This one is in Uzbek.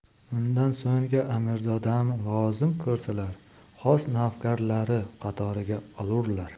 undan so'ng amirzodam lozim ko'rsalar xos navkarlari qatoriga olurlar